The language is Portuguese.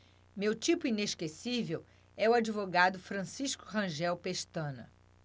meu tipo inesquecível é o advogado francisco rangel pestana